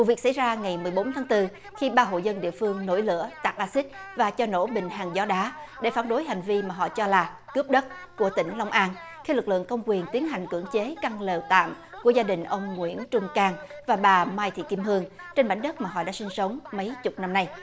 vụ việc xảy ra ngày mười bốn tháng tư khi ba hộ dân địa phương nổi lửa tạt a xít và cho nổ bình hàn gió đá để phản đối hành vi mà họ cho là cướp đất của tỉnh long an khi lực lượng công quyền tiến hành cưỡng chế căn lều tạm của gia đình ông nguyễn trung cang và bà mai thị kim hương trên mảnh đất mà họ đã sinh sống mấy chục năm nay